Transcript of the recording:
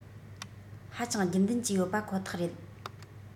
ཧ ཅང རྒྱུན ལྡན གྱི ཡོད པ ཁོ ཐག རེད